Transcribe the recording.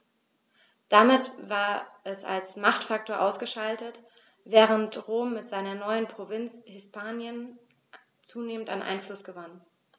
Damit war es als Machtfaktor ausgeschaltet, während Rom mit seiner neuen Provinz Hispanien zunehmend an Einfluss gewann.